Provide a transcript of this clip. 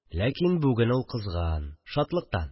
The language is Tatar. Ләкин бүген ул кызган. Шатлыктан